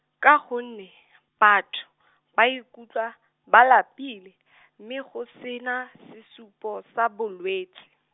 ka gonne, batho , ba ikutlwa, ba lapile , mme go sena sesupo sa bolwetsi.